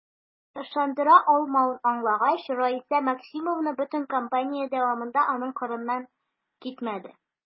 Ирен ышандыра алмавын аңлагач, Раиса Максимовна бөтен кампания дәвамында аның кырыннан китмәде.